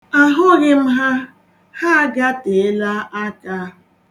A hụghị m ha, ha agateela aka.